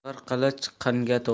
qing'ir qilich qinga to'g'ri